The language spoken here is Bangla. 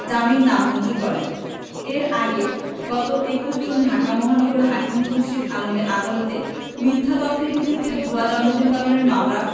জামিন নামঞ্জুর করেন এর আগে গত ২১ জুন ঢাকা মহানগর হাকিম খুরশীদ আলমের আদালতে মিথ্যা তথ্যের ভিত্তিতে ভুয়া জন্মদিন পালনের মামলা